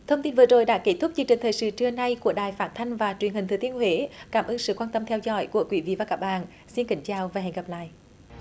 thông tin vừa rồi đã kết thúc chương trình thời sự trưa nay của đài phát thanh và truyền hình thừa thiên huế cảm ơn sự quan tâm theo dõi của quý vị và các bạn xin kính chào và hẹn gặp lại